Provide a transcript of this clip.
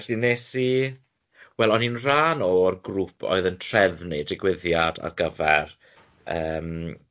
ie felly wnes i wel o'n i'n rhan o'r grŵp oedd yn trefnu digwyddiad ar gyfer yym